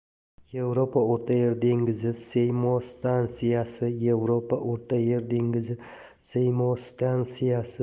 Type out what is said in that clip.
yevropa o'rtayer dengizi seysmostansiyasiyevropa o'rtayer dengizi seysmostansiyasi